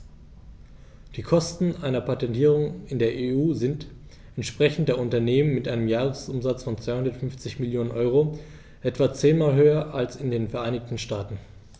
Die Kosten einer Patentierung in der EU sind, entsprechend der Unternehmen mit einem Jahresumsatz von 250 Mio. EUR, etwa zehnmal höher als in den Vereinigten Staaten.